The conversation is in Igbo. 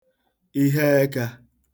ihe ekā